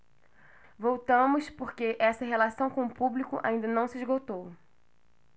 voltamos porque essa relação com o público ainda não se esgotou